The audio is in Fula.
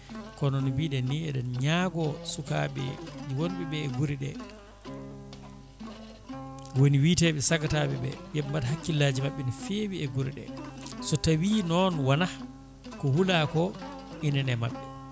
kono no mbiɗen ni eɗen ñaago sukaɓe wonɓeɓe e guure ɗe woni wiiteɓe sagataɓeɓe yooɓe mbaad hakkillaji mabɓe no fewi e guure ɗe so tawi noon wona ko huula ko inen e mabɓe